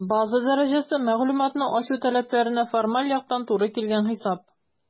«база дәрәҗәсе» - мәгълүматны ачу таләпләренә формаль яктан туры килгән хисап.